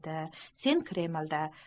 sen kremlda